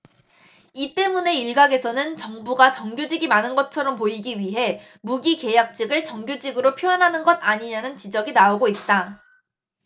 이 때문에 일각에서는 정부가 정규직이 많은 것처럼 보이기 위해 무기계약직을 정규직으로 표현하는 것 아니냐는 지적이 나오고 있다